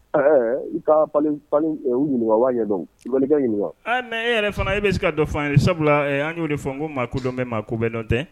Ɛɛ ka ɲininka waa ɲɛdɔn ɲininka mɛ e yɛrɛ fana e bɛ se ka dɔfan sabula an y'o de fɔ n ko maa kodɔn bɛ maa kobɛn nɔ tɛ